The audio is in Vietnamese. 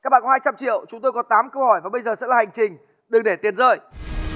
các bạn có hai trăm triệu chúng tôi có tám câu hỏi và bây giờ sẽ là hành trình đừng để tiền rơi